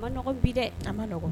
A ma nɔgɔɔgɔ bi dɛ a maɔgɔn